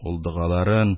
Ул догаларын,